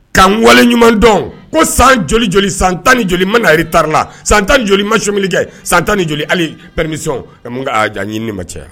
' wale ɲuman dɔn ko san joli joli san tan ni joli ma nare tari la san tan ni joli masminɛlikɛ san tan ni joli ali preme jan ni ma caya